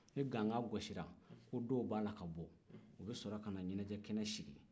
ni gangan gosira ko doow b'a la ka bɔ u bɛ sɔrɔ ka na ɲɛnajɛ kɛnɛ sigi